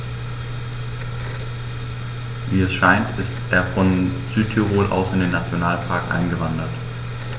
Wie es scheint, ist er von Südtirol aus in den Nationalpark eingewandert.